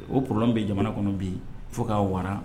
O problème bɛ jamana kɔnɔ bi fo k'a wara.